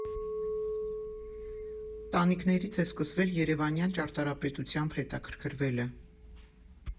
Տանիքներից է սկսվել երևանյան ճարտարապետությամբ հետաքրքրվելը։